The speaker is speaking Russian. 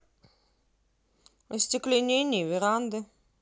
остекление веранды